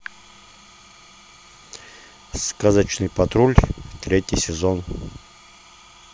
сказочный патруль третий сезон